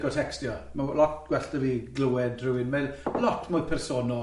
Ma' lot gwellt da fi glywed rhywun, mae'n lot mwy personol,